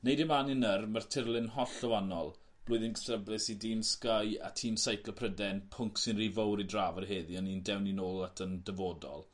Neidio mlan i nawr ma'r tirlun hollol wa'nol. Blwyddyn cythryblus i dîm Sky a tîm seiclo Pryden pwnc sy'n rhy fowr i drafod heddi on' un dewn ni nôl at yn dyfodol.